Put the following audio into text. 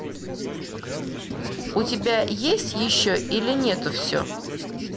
у тебя есть еще или нету все